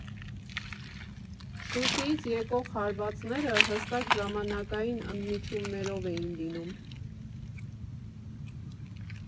Շուշիից եկող հարվածները հստակ ժամանակային ընդմիջումներով էին լինում։